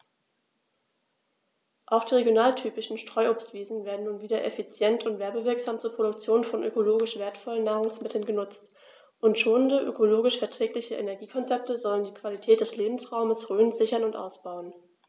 Auch die regionaltypischen Streuobstwiesen werden nun wieder effizient und werbewirksam zur Produktion von ökologisch wertvollen Nahrungsmitteln genutzt, und schonende, ökologisch verträgliche Energiekonzepte sollen die Qualität des Lebensraumes Rhön sichern und ausbauen.